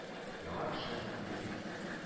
Яңа эшенең нигез